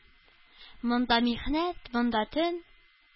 Монда михнәт, монда төн,